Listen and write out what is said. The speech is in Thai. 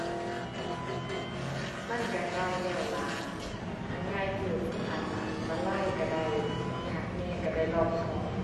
มันก็ง่ายแล้วล่ะ คันง่ายโพดมันอาจจะอันตรายก็ได้ ยากแหน่ก็ได้รอบคอบ